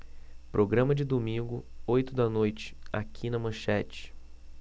programa de domingo oito da noite aqui na manchete